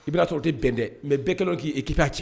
I bi na sɔrɔ u tɛ bɛn dɛ . Mais bɛɛ kɛlen don ki k' b'a cɛ